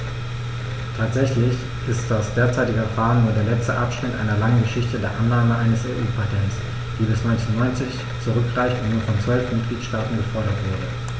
Tatsächlich ist das derzeitige Verfahren nur der letzte Abschnitt einer langen Geschichte der Annahme eines EU-Patents, die bis 1990 zurückreicht und nur von zwölf Mitgliedstaaten gefordert wurde.